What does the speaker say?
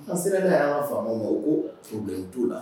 An sera y'a fa ma ko furulen' la